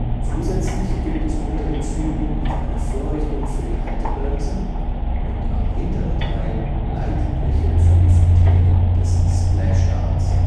Zusätzlich gibt es unter den Zügen noch eine Vorrichtung für die Haltebremse und am hinteren Teil Leitbleche für die Fontänen des Splashdowns